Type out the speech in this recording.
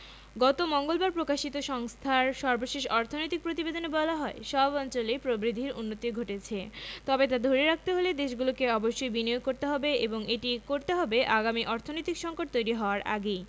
গত মঙ্গলবার প্রকাশিত সংস্থার সর্বশেষ অর্থনৈতিক প্রতিবেদনে বলা হয় সব অঞ্চলেই প্রবৃদ্ধির উন্নতি ঘটছে তবে তা ধরে রাখতে হলে দেশগুলোকে অবশ্যই বিনিয়োগ করতে হবে এবং এটি করতে হবে আগামী অর্থনৈতিক সংকট তৈরি হওয়ার আগেই